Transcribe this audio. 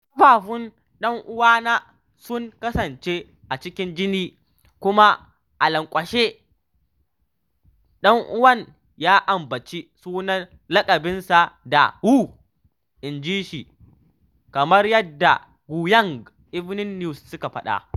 “Ƙafafun dan uwana sun kasance a cikin jini kuma a lanƙwashe,” ɗan uwan ya ambaci sunan laƙabinsa da “Wu” inji shi, kamar yadda Guiyang Evening News ta fada.